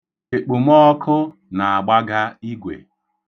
Ekpomooku na-agbaga igwe.